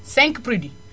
5 produits